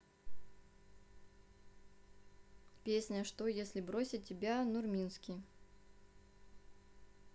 песня что если бросить тебя нурминский